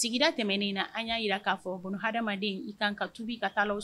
Sigida tɛmɛnen in na an y'a jira k'a fɔ bolo hadamaden i kan ka tubi ka taa